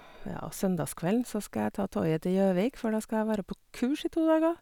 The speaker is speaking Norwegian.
Ja, søndagskvelden så skal jeg ta toget til Gjøvik, for da skal jeg være på kurs i to dager.